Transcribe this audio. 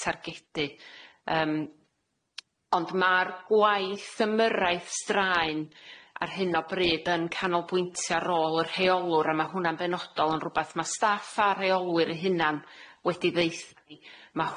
targedu yym ond ma'r gwaith ymyrraeth straen ar hyn o bryd yn canolbwyntio ar ôl yr rheolwr a ma' hwnna'n benodol yn rwbath ma' staff a rheolwyr eu hunan wedi ddeutha ni ma'